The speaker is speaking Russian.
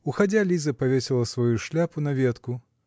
Уходя, Лиза повесила свою шляпу на ветку